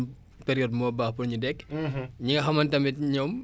ñi nga xam ne tamit ñoom fi mu ne nii dina taw rek lañ soxla dégg